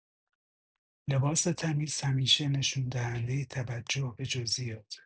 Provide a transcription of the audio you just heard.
لباس تمیز همیشه نشون‌دهندۀ توجه به جزییاته.